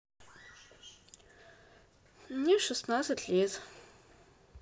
а мне шестнадцать лет